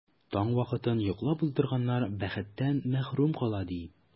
Таң вакытын йоклап уздырганнар бәхеттән мәхрүм кала, ди.